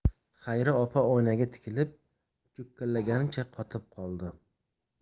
xayri opa oynaga tikilib cho'kkalagancha qotib qoldi